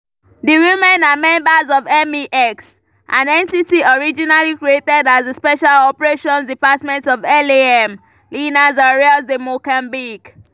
The women are members of MEX, an entity originally created as the Special Operations Department of LAM — Linhas Aéreas de Moçambique.